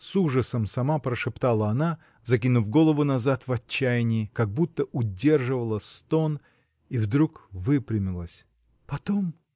— с ужасом сама прошептала она, закинув голову назад в отчаянии, как будто удерживала стон, и вдруг выпрямилась. — Потом.